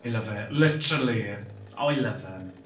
I love it, literally, oh I love them.